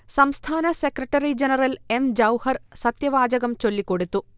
സംസ്ഥാന secretary general M. Jauhar സത്യവാചകം ചൊല്ലികൊടുത്തു